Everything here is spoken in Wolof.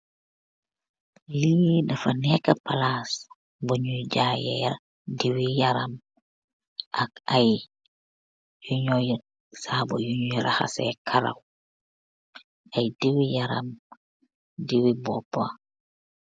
bittick buiyu jangyeh dewwu.